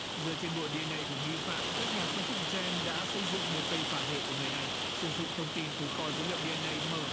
dựa trên bộ đi en ây của nghi phạm các nhà phân tích ren đã xây dựng được cây phả hệ của người này sử dụng thông tin từ kho dữ liệu đi en ây mở